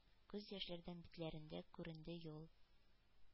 Күз яшьләрдән битләрендә күренде юл;